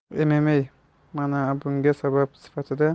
mma maniabunga sabab sifatida serronening